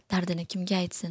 dardini kimga aytsin